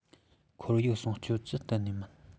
ཁོར ཡུག སྲུང སྐྱོབ ཅུད གཏན ནས མིན